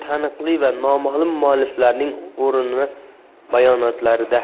taniqli va noma'lum mualliflarning o'rinli bayonotlarida